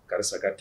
Karisa ka t